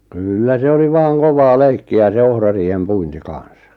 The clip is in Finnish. kyllä se oli vain kovaa leikkiä se ohrariihen puinti kanssa